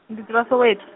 ndi dzula Soweto.